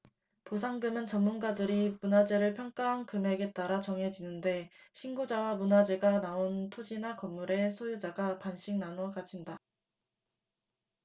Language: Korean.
보상금은 전문가들이 문화재를 평가한 금액에 따라 정해지는데 신고자와 문화재가 나온 토지나 건물의 소유자가 반씩 나눠 가진다